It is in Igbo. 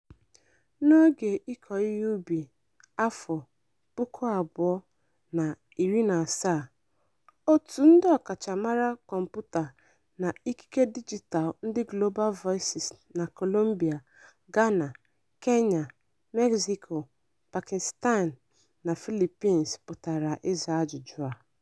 N'oge ịkọ ihe ubi 2017, òtù ndị ọkachamara kọmputa na ikike dijitaalụ ndị Global Voices na Colombia, Ghana, Kenya, Mexico, Pakistan na Philippines pụtara ịza ajụjụ a.